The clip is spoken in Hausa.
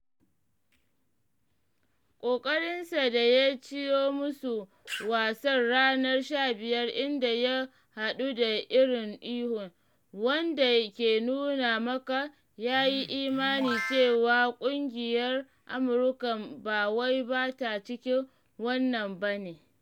Ƙoƙarinsa da ya ciyo musu wasan ranar 15 inda ya haɗu da irin ihun, wanda ke nuna maka ya yi imani cewa ƙungiyar Amurkan ba wai ba ta cikin wannan ba ne.